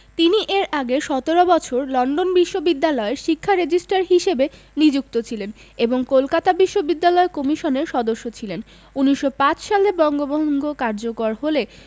তিনি এর আগে ১৭ বছর লন্ডন বিশ্ববিদ্যালয়ের শিক্ষা রেজিস্ট্রার হিসেবে নিযুক্ত ছিলেন এবং কলকাতা বিশ্ববিদ্যালয় কমিশনের সদস্য ছিলেন ১৯০৫ সালে বঙ্গভঙ্গ কার্যকর হলে